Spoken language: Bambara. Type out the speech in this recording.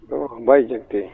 Baba' ye jate